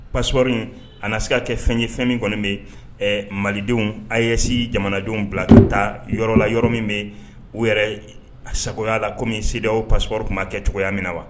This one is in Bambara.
passeport in a na se ka kɛ fɛn ye fɛn min kɔni bɛ malidenw A ES jamanadenw bila ka taa yɔrɔ la yɔrɔ min bɛ u yɛrɛ sagoya la comme C D A O pasport kun ba kɛ cogoya min na wa?